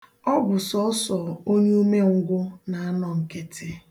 Ọ bu sọọsọ onye umengwụ na-anọ nkịtị.